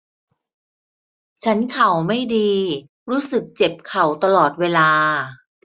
ฉันเข่าไม่ดีรู้สึกเจ็บเข่าตลอดเวลา